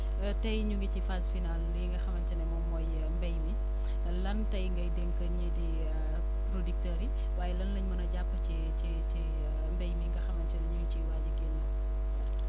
tey ñu ngi ci phase finale lii nga xamante ne moom mooy mbéy mi lan tey ngay dénk ñii di producteurs yi waaye lan lañ mën a jàpp ci ci ci mbéy mii nga xamante ne ñu ngi ciy waaj a génn